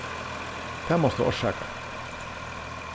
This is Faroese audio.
tað mást tú orsaka